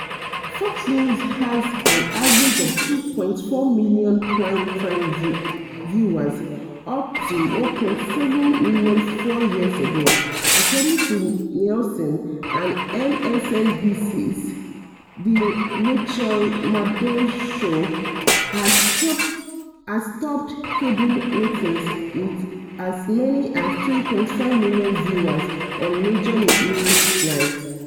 Fox News has an average of 2.4 million prime-time viewers, up from 1.7 million four years ago, according to Nielsen, and MSNBC's "The Rachel Maddow Show" has topped cable ratings with as many as 3.5 million viewers on major news nights.